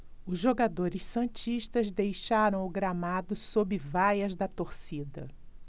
os jogadores santistas deixaram o gramado sob vaias da torcida